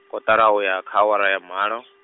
kotara uya, kha awara ya malo.